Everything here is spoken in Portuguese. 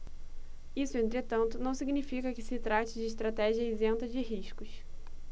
isso entretanto não significa que se trate de estratégia isenta de riscos